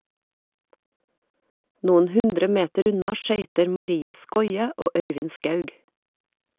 Noen hundre meter unna skøyter Marie Skoie og Øyvind Skaug.